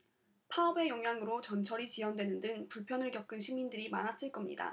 파업의 영향으로 전철이 지연되는 등 불편을 겪은 시민들이 많았을 겁니다